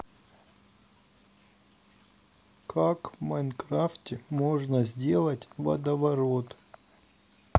как в майнкрафте можно сделать водоворот